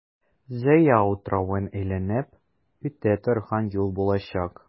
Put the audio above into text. Зөя утравын әйләнеп үтә торган юл булачак.